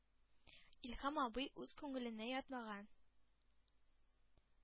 Илһам абый үз күңеленә ятмаган,